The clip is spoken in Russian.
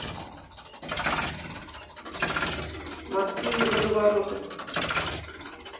морские водовороты